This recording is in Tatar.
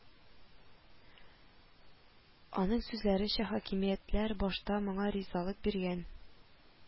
Аның сүзләренчә, хакимиятләр башта моңа ризалык биргән